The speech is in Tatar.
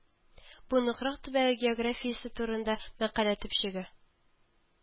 Бу Нократ төбәге географиясе турында мәкалә төпчеге